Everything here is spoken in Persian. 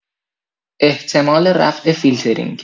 احتمال رفع فیلترینگ